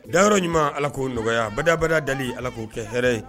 Dayɔrɔ ɲuman Ala k'o nɔgɔya badabada dali Ala k'o kɛ hɛrɛ ye